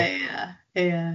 Ie ie.